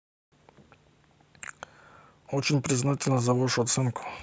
очень признателен за вашу оценку